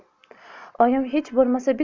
oyim hech bo'lmasa